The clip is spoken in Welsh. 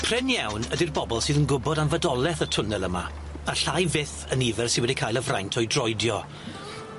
Prin iawn ydi'r bobol sydd yn gwbod am fodoleth y twnnel yma, a llai fyth y nifer sy wedi cael y fraint o'i droedio.